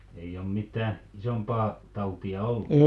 ei ole mitään isompaa tautia ollut